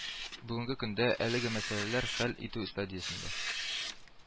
Бүгенге көндә әлеге мәсьәләләр хәл ителү стадиясендә